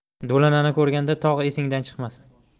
do'lanani ko'rganda tog' esingdan chiqmasin